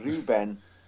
rywben